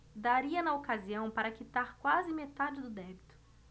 daria na ocasião para quitar quase metade do débito